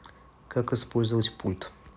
как использовать пульт